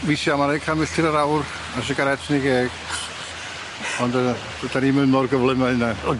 Weithia' ma' neu' can milltir yr awr a sigarét yn 'i geg ond yy 'dan ni'm yn mor gyflym â hynna.